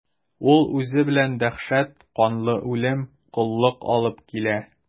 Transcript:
Ул үзе белән дәһшәт, канлы үлем, коллык алып килә.